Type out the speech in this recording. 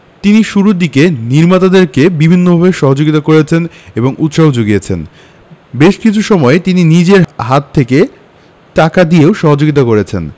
তিনি শুরুর দিকে নির্মাতাদেরকে বিভিন্নভাবে সহযোগিতা করেছেন এবং উৎসাহ যুগিয়েছেন বেশ কিছু সময়ে তিনি নিজের হাত থেকে টাকা দিয়েও সহযোগিতা করেছেন